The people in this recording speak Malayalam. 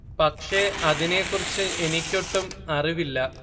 പക്ഷെ അതിനെ കുറിച്ച് എനിക്കൊട്ടും അറിവില്ല